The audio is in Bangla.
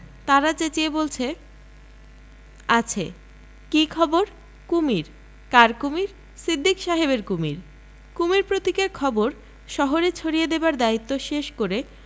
তাঁরা চেঁচিয়ে বলছে আছে কি খবর কুমীর কার কুমীর সিদ্দিক সাহেবের কুমীর কুমীর প্রতীকের খবর শহরে ছড়িয়ে দেবার দায়িত্ব শেষ করে